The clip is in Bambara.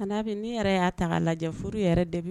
'a bɛ ni yɛrɛ y'a ta lajɛ furu yɛrɛ de